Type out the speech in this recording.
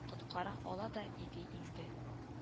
Коткара ала да иде инде